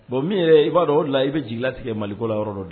Bon min ya ye i b'a dɔn o de la i bɛ jigi latigɛ Maliko la yɔrɔ dɔ de la